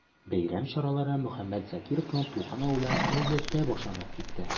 Бәйрәм чаралары Мөхәммәт Закировның туган авылы Дәүләттә башланып китте.